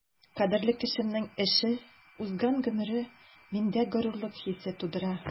Кадерле кешемнең эше, узган гомере миндә горурлык хисе тудыра.